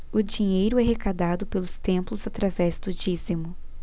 o dinheiro é arrecadado pelos templos através do dízimo